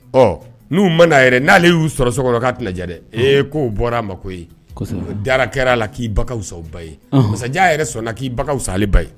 Ɔ n'u ma na n'ale y'u sɔrɔ soknrɔ'k'a t ija dɛ ee k'o bɔra a ma koyi, diala kɛra a la k'i ba ka fisa u ba ye koyi, unhun, Masajan yɛrɛ sɔnna k'i ba ka fisa ale ba ye.